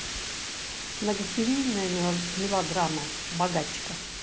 многосерийная мелодрама богачка